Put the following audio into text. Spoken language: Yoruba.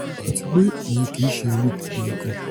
Àtipé ìyẹn kìí ṣe ìrírí tèmi nìkan.